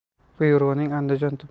byuroning andijon tuman